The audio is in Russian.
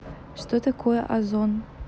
что такое озон